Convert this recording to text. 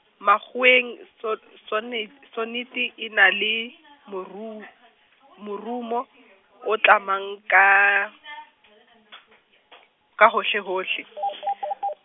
makgoweng so- sonet- sonete e na le, moru- morumo, o tlamang ka , ka hohlehohle .